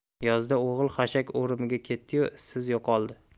yozda o'g'il xashak o'rimiga ketdi yu izsiz yo'qoldi